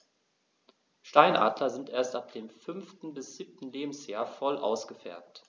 Steinadler sind erst ab dem 5. bis 7. Lebensjahr voll ausgefärbt.